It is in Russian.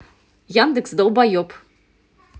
яндекс долбаеб